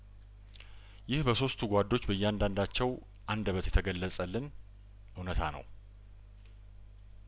ይህ በሶስቱ ጓዶች በእያንዳንዳቸው አንደ በት የተገለጸልን እውነታ ነው